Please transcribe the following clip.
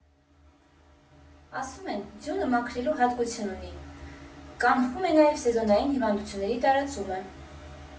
Ասում են՝ ձյունը մաքրելու հատկություն ունի, կանխում է նաև սեզոնային հիվանդությունների տարածումը։